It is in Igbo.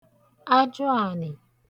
ajụànị̀